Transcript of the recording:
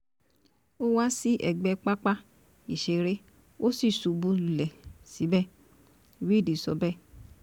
"Ó wá sí ẹ̀gbẹ̀ pápá ìṣeré ó ṣì subú lulẹ̀ síbẹ̀,” Reed sọbẹ́ẹ̀.